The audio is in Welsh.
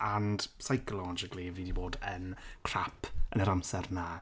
And psychologically fi 'di bod yn crap yn yr amser 'na.